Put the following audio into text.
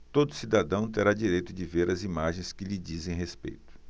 todo cidadão terá direito de ver as imagens que lhe dizem respeito